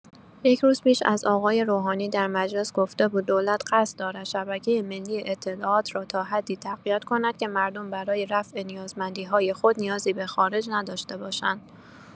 یک روز پیش از آقای روحانی در مجلس گفته بود دولت قصد دارد شبکه ملی اطلاعات را تا حدی تقویت کند که «مردم برای رفع نیازمندی‌های خود نیازی به خارج نداشته باشند.»